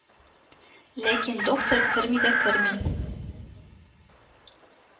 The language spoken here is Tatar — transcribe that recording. Ләкин доктор керми дә керми